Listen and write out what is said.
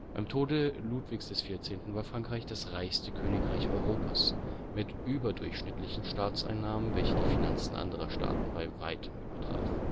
Beim Tode Ludwig XIV. war Frankreich das reichste Königreich Europas, mit überdurchschnittlichen Staatseinnahmen, welche die Finanzen anderer Staaten bei weitem übertraf